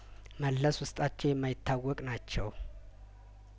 መለስ ውስጣቸው የማይታወቅ ናቸው